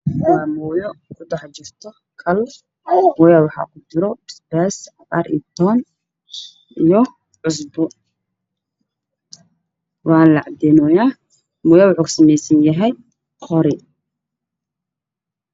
Waa mooye iyo kal, waxaa kujiro basbaas, cusbo iyo tuun waa latumaaya, mooyaha waxuu kasameysan yahay qori.